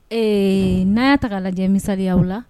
Ee n'a y'a ta lajɛ misa aw la